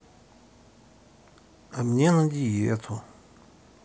а мне на диету